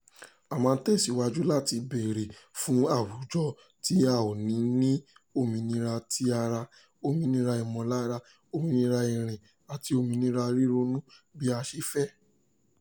A máa tẹ̀síwajú láti béèrè fún àwùjọ tí a óò ti ní òmìnira ti ara, òmìnira ìmọ̀lára, òmìnira ìrìn àti òmìnira ríronú bí a ṣe fẹ́.